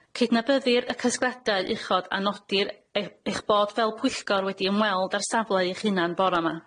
Cydnabyddir y casgliadau uchod a nodir e- eich bod fel pwyllgor wedi ymweld â'r safle eich hunan bora 'ma.